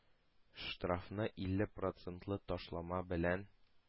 Штрафны илле процентлы ташлама белән,